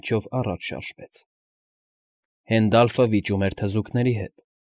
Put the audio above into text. Միջով առաջ շարժվեց։ Հենդալֆը վիճում էր թզուկների հետ։